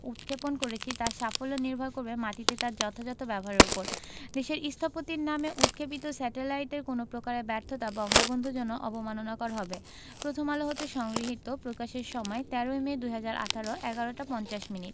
উৎক্ষেপণ করেছি তার সাফল্য নির্ভর করবে মাটিতে তার যথাযথ ব্যবহারের ওপর দেশের স্থপতির নামে উৎক্ষেপিত স্যাটেলাইটের কোনো প্রকারের ব্যর্থতা বঙ্গবন্ধুর জন্য অবমাননাকর হবে প্রথম আলো হতে সংগৃহীত প্রকাশের সময় ১৩ মে ২০১৮ ১১ টা ৫০ মিনিট